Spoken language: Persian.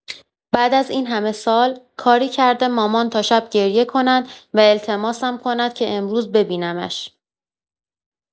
بعد از این‌همه سال، کاری کرده مامان تا شب گریه کند و التماسم کند که امروز ببینمش.